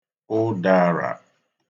ụdārà